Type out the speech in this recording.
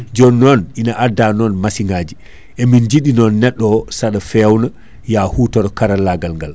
jonnon ina adda non massiŋaji emin jiiɗi non neɗɗo o saɗa fewna ya hutoro karallagal gal